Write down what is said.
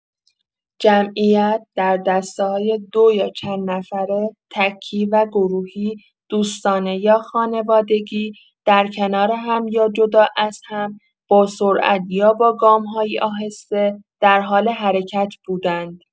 جمعیت در دسته‌های دو یا چندنفره، تکی و گروهی، دوستانه یا خانوادگی، در کنار هم یا جدا از هم، با سرعت یا با گام‌هایی آهسته، درحال حرکت بودند.